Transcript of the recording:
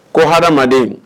Ko hadama